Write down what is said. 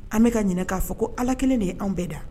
An bɛka ka ɲininka k'a fɔ ko ala kelen de y an bɛɛ da